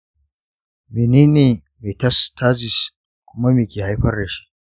mene ne metastasis kuma me ke haifar da shi?